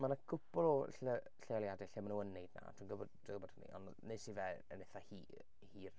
Mae 'na cwpl o lle- lleoliadau lle maen nhw yn wneud 'na, dwi'n gwybod dwi'n gwybod hynny. Ond wnes i fe yn eithaf hir hir...